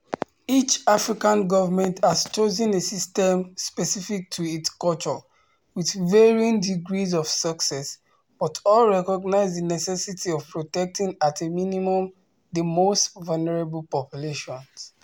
Each African government has chosen a system specific to its culture, with varying degrees of success, but all recognize the necessity of protecting at a minimum the most vulnerable populations.